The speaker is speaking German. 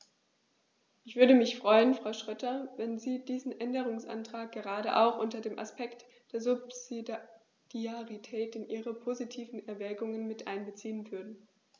Ich würde mich freuen, Frau Schroedter, wenn Sie diesen Änderungsantrag gerade auch unter dem Aspekt der Subsidiarität in Ihre positiven Erwägungen mit einbeziehen würden.